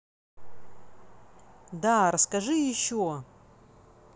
да расскажи еще